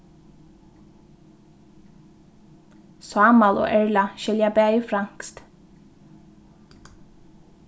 sámal og erla skilja bæði franskt